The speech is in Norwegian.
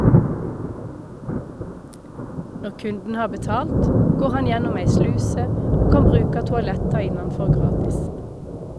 Når kunden har betalt, går han gjennom ei sluse, og kan bruka toaletta innanfor gratis.